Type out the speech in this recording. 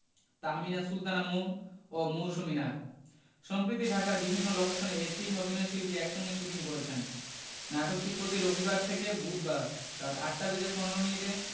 তাহমিনা সুলতানা মৌ ও মৌসুমী নাগ সম্প্রতি ঢাকার বিভিন্ন লোকেশনে এ তিন অভিনয়শিল্পী একসঙ্গে শুটিং করেছেন নাটকটি প্রতি রবিবার থেকে বুধবার রাত ৮টা ১৫ মিনিটে